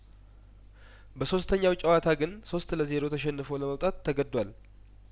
በሶስተኛው ጨዋታ ግን ሶስት ለዜሮ ተሸንፎ ለመውጣት ተገዷል